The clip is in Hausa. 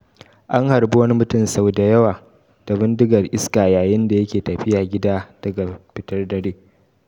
An harbi wani mutum sau da yawa da bindigar iska yayin da yake tafiya gida daga fitar dare.